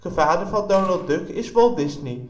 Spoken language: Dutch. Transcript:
vader van Donald Duck is Walt Disney